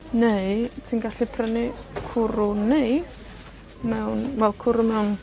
Neu ti'n gallu prynu cwrw neis mewn wel cwrw mewn